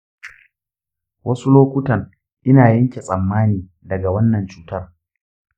wasu lokuttan ina yanke tsammani daga wannan cutar.